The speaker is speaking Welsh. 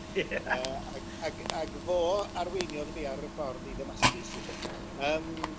A... Ia ...yy ag ag ag fo arweiniodd fi ar y ffordd i Ddymascus 'elly yym